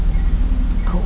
cậu